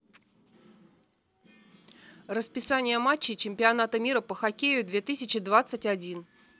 расписание матчей чемпионата мира по хоккею две тысячи двадцать один